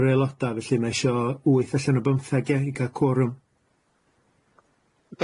yr euloda felly ma' isio wyth allan o bymtheg ia i ga'l cworwm.